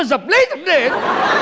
dập lấy dập để